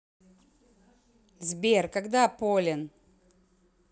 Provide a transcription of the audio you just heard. сбер когда полин